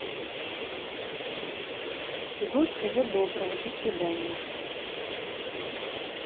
всего всего доброго до свидания